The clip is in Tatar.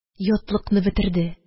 Ятлыкны бетерде.